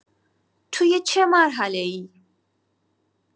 توی چه مرحله‌ای؟